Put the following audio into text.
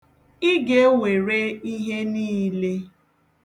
Ị ga-ewere ihe niile.